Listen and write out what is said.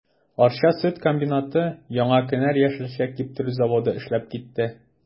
Арча сөт комбинаты, Яңа кенәр яшелчә киптерү заводы эшләп китте.